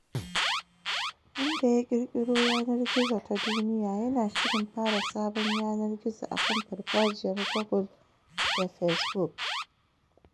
Wanda ya kirkiro yanar gizo ta duniya yana shirin fara sabon yanar gizo akan farfajiyar google da facebook.